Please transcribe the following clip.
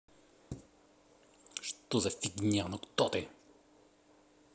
что за фигня ну кто ты